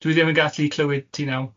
Dwi ddim yn gallu clywed ti naw.